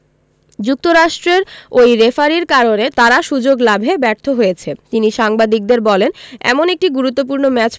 যুক্তরাষ্ট্রের ওই রেফারির কারণে তারা সুযোগ লাভে ব্যর্থ হয়েছে তিনি সাংবাদিকদের বলেন এমন একটি গুরুত্বপূর্ণ ম্যাচ